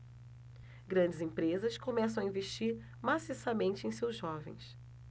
grandes empresas começam a investir maciçamente em seus jovens